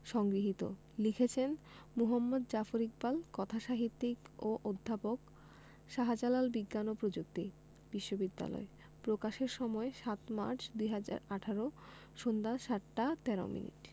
সংগৃহীত লিখেছেন মুহাম্মদ জাফর ইকবাল কথাসাহিত্যিক ও অধ্যাপক শাহজালাল বিজ্ঞান ও প্রযুক্তি বিশ্ববিদ্যালয় প্রকাশের সময় ০৭মার্চ ২০১৮ সন্ধ্যা ৭টা ১৩ মিনিট